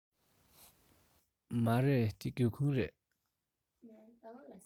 མ རེད འདི སྒེའུ ཁུང རེད